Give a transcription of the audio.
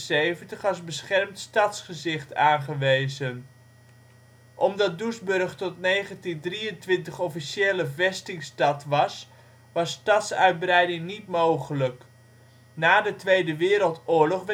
1974 als beschermd stadsgezicht aangewezen. Doesburg belegerd door de Fransen in 1672. Omdat Doesburg tot 1923 officieel een vestingstad was, was stadsuitbreiding niet mogelijk. Na de Tweede Wereldoorlog